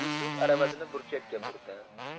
utyug aravasini burchakka burdi